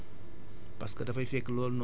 mais li mu ci doon xaar ci résultats